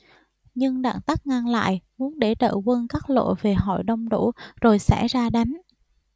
nhưng đặng tất ngăn lại muốn để đợi quân các lộ về hội đông đủ rồi sẽ ra đánh